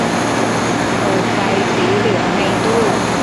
เปิดไฟสีเหลืองในตู้